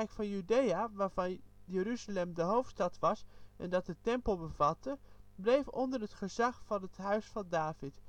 van Judea, waarvan Jeruzalem de hoofdstad was en dat de tempel bevatte, bleef onder het gezag van het huis van David